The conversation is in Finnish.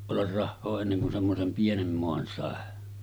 olla rahaa ennen kuin semmoisen pienen maan sai